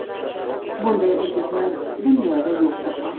bunday erkaklar dunyoda yo'qdir ham